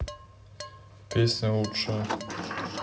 песня лучшая